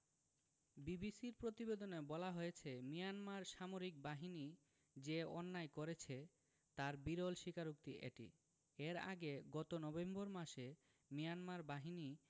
বিবিসির প্রতিবেদনে বলা হয়েছে মিয়ানমার সামরিক বাহিনী যে অন্যায় করেছে তার বিরল স্বীকারোক্তি এটি এর আগে গত নভেম্বর মাসে মিয়ানমার বাহিনী